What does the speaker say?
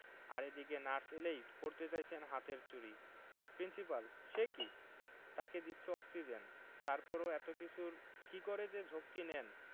আর এদিকে নার্স এলেই পরতে চাইছেন হাতে চুড়ি প্রিন্সিপাল সে কি তাকে দিচ্ছে অক্সিজেন তারপরেও এত কিছুর কি করে যে ঝক্কি নেন